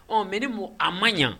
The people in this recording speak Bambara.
Ɔ mɛ ni mun a man ɲɛ